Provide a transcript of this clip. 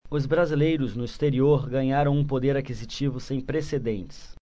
os brasileiros no exterior ganharam um poder aquisitivo sem precedentes